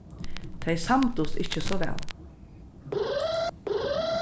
tey samdust ikki so væl